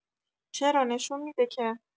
چرا نشون می‌ده که